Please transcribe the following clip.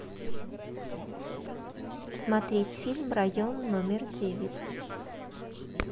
смотреть фильм район номер девять